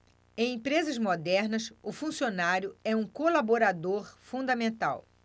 em empresas modernas o funcionário é um colaborador fundamental